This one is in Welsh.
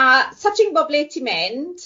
A sa ti'n gwybod ble ti'n mynd,